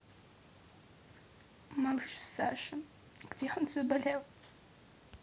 малыш саша где он заболел